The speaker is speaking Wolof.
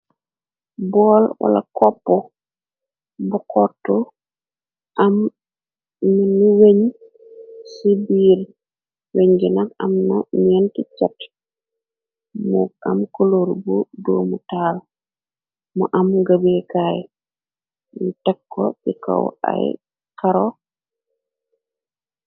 Bowl wala copp bu xortu am minu weñ ci biir weñgina am na neenti cat mu am kulur bu duumu taal mu am ngëbeekaay nu tek ko ci kaw ay karo.